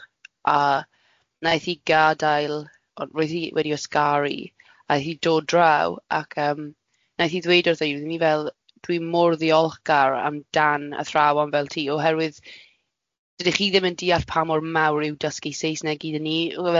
a naeth hi gadael, ro- roedd hi wedi ysgaru a ath hi dod draw ac ymm naeth hi ddweud wrtho i, roeddwn i fel dwi mor ddiolchgar amdan athrawon fel ti oherwydd dydych chi ddim yn dealld pa mor mawr yw dysgu Saesneg gyda ni. Roedd o fel